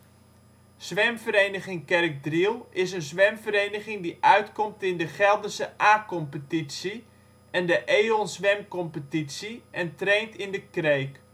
Zwemvereniging Kerkdriel is een zwemvereniging die uitkomt in de Gelderse A competitie en de Eon zwemcompetitie en traint in de Kreek